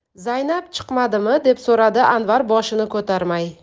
zaynab chiqmadimi deb so'radi anvar boshini ko'tarmay